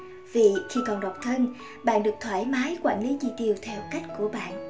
vì khi còn độc thân bạn được thoải mái quản lý chi tiêu theo cách của bạn